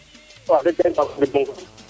*